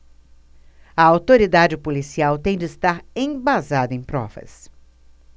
a autoridade policial tem de estar embasada em provas